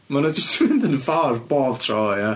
Mae nw jyst yn mynd yn y ffordd bob tro ia.